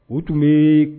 U tun bɛ